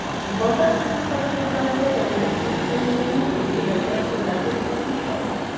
Базар икътисады шартларында дәүләт анык бәяләрне билгеләүдә турыдан-туры катнаша алмый.